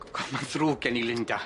Gw- gw- ma'n ddrwg gen i Linda.